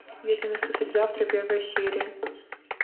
если наступит завтра первая серия